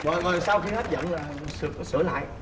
rồi rồi sau khi hết giận là sửa sửa lại